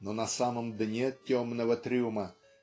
но на самом дне темного трюма